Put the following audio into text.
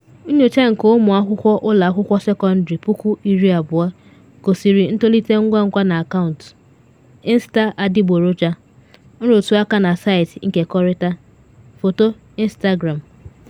Nyocha nke ụmụ akwụkwọ ụlọ akwụkwọ sekọndịrị 20,000 gosiri ntolite ngwangwa n’akaụntụ “Insta adịgboroja” - nrụtụ aka na saịtị nkekọrịta-foto Instagram.